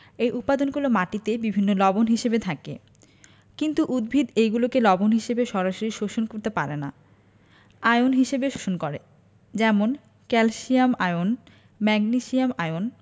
এ উপাদানগুলো মাটিতে বিভিন্ন লবণ হিসেবে থাকে কিন্তু উদ্ভিদ এগুলোকে লবণ হিসেবে সরাসরি শোষণ করতে পারে না আয়ন হিসেবে শোষণ করে যেমন ক্যালসিয়াম আয়ন ম্যাগনেসিয়াম আয়ন